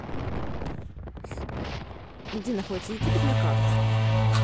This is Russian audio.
где находится египет на карте